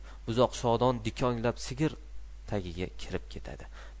buzoq shodon dikonglab sigir tagiga kirib ketadi